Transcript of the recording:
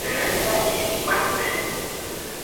e e i wedyn